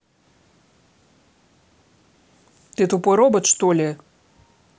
ты тупой робот что ли